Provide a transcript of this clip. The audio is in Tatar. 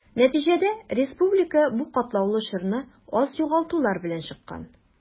Нәтиҗәдә республика бу катлаулы чорны аз югалтулар белән чыккан.